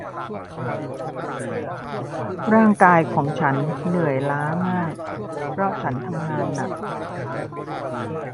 ร่างกายของฉันเหนื่อยล้ามากเพราะฉันทำงานหนัก